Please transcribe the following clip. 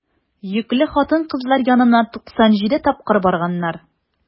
Йөкле хатын-кызлар янына 97 тапкыр барганнар.